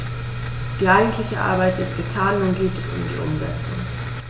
Die eigentliche Arbeit ist getan, nun geht es um die Umsetzung.